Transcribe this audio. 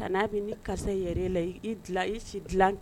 A n'a bɛ nin karisa yɛrɛ e la i si dilan kɛ